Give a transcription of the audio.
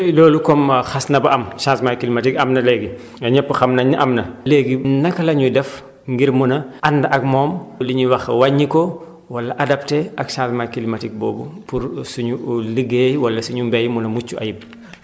loolu comme xas na ba am changement climatique am na léegi ñëpp xam nañ ne am na léegi naka la ñuy def ngir mun a ànd ak moom li ñuy wax wàññi ko wala adapté ak changement climatique boobu pour suñu liggéey wala suñu mbéy mu a mucc ayib